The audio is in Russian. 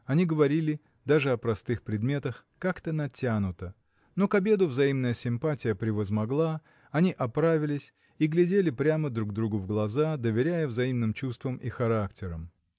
Они говорили даже о простых предметах как-то натянуто, но к обеду взаимная симпатия превозмогла, они оправились и глядели прямо друг другу в глаза, доверяя взаимным чувствам и характерам.